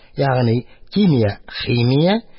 Ягъни кимия - химия